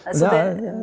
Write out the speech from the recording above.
nei så det.